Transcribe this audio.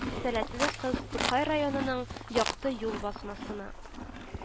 Сәләтле кыз тукай районының ”якты юл” басмасына